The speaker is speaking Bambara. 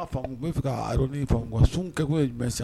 B' sun jumɛn